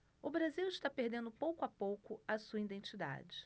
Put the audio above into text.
o brasil está perdendo pouco a pouco a sua identidade